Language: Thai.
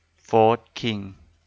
โฟธคิง